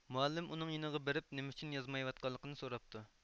مۇئەللىم ئۇنىڭ يېنىغا بېرىپ نېمە ئۈچۈن يازمايۋاتقانلىقىنى سوراپتۇ